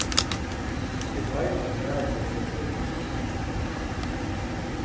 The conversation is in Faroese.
eg veit at maðurin hevur verið handtikin